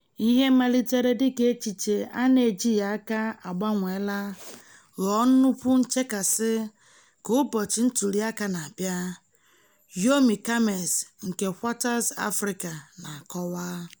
Ihe malitere dị ka echiche a na-ejighị n'aka agbanweela ghọọ nnukwu nchekasị ka ụbọchị ntụliaka na-abịa. Yomi Kamez nke Quartz Africa na-akọwa: